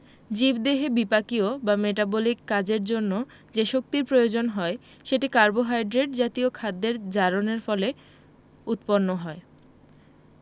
জীবদেহে বিপাকীয় বা মেটাবলিক কাজের জন্য যে শক্তির প্রয়োজন হয় সেটি কার্বোহাইড্রেট জাতীয় খাদ্যের জারণের ফলে উৎপন্ন হয়